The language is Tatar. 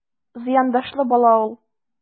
Зыяндашлы бала ул...